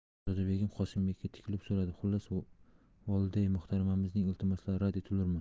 xonzoda begim qosimbekka tikilib so'radi xullas volidai muhtaramamizning iltimoslari rad etilurmi